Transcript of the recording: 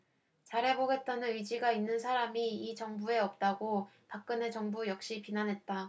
잘해보겠다는 의지가 있는 사람이 이 정부에 없다고 박근혜 정부 역시 비난했다